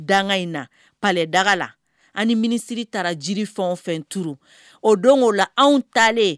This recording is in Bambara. Dangan in na. palait daga la, an minisiriri taara yiri fɛn fɛn turu o don go la anw talen